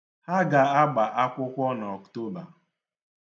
Ha ga-agba akwụkwọ n'Ọktoba